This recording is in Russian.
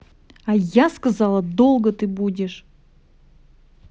а я сказала долго ты будешь